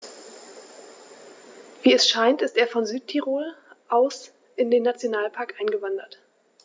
Wie es scheint, ist er von Südtirol aus in den Nationalpark eingewandert.